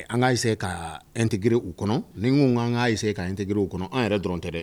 An kase ka ntg u kɔnɔ ni ko ka an kase ka ntgrw kɔnɔ an yɛrɛ dɔrɔn tɛ dɛ